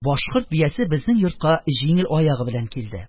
Башкорт биясе безнең йортка җиңел аягы белән килде